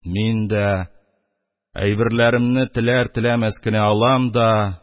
Мин дә әйберләремне теләр-теләмәс кенә алам да